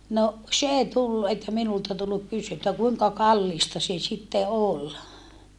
no se ei tullut että minulta tullut - että kuinka kallista se sitten oli